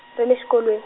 re le xikolweni.